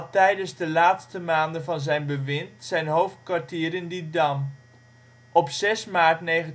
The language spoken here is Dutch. tijdens de laatste maanden van zijn bewind zijn hoofdkwartier in Didam. Op 6 maart 1945 reed